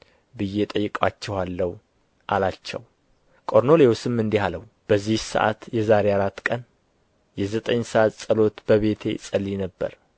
ብዬ እጠይቃችኋለሁ አላቸው ቆርኔሌዎስም እንዲህ አለው በዚች ሰዓት የዛሬ አራት ቀን የዘጠኝ ሰዓት ጸሎት በቤቴ እጸልይ ነበር